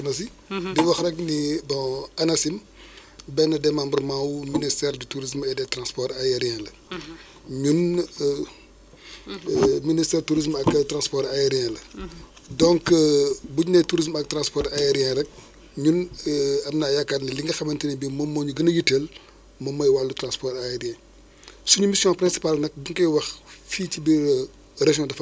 ñu am ko le 27 mai loo xamante ni mosul am dégg nga ñu ngeeg statistiques yi depuis presque depuis depuis depuis cinquante ans mais loolu mosuñu ko am à Fatick le 27 mai ñu am une quantité de 91 virgule 7milimètre mu nekk loo xamante ni donc dafa tiitaloon ñëpp présentement ñun fi ñu lay waxee nii on est actuellement au fin de kii quoi en fin de mois de juillet mais actuellement partiquement cumul yi paase nañ 300 milimètres alors que heure bii hivernage bi da daan soog a débuter actuellemnt ñu ngi ci ay cumul lu ay 300 milimètres